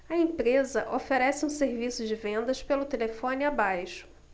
a empresa oferece um serviço de vendas pelo telefone abaixo